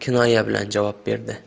kinoya bilan javob berdi